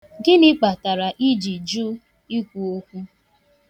Gịnị kpatara ị ji jụ ikwu okwu?